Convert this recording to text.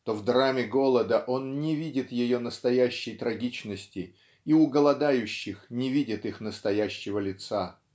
то в драме голода он не видит ее настоящей трагичности и у голодающих не видит их настоящего лица.